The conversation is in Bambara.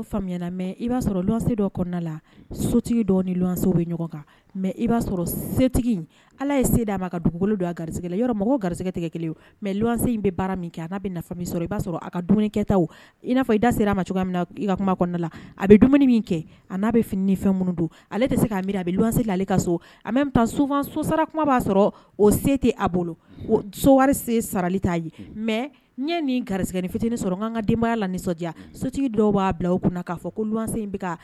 N i b'a sɔrɔ a kakɛa i sera a cogo min na i ka kuma la a bɛ dumuni min kɛ a n'a bɛ fini fɛn minnu don ale se' a bɛ la ale ka so a taa so sara b'a sɔrɔ o se tɛ a bolo so se sarali ye mɛ gari fitinin sɔrɔ' ka denbaya la nisɔndiya sotigi dɔw b'a bila kun fɔ